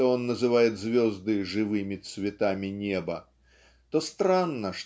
что он называет звезды "живыми цветами неба" то странно